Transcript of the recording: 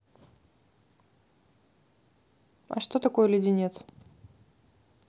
а что такое леденец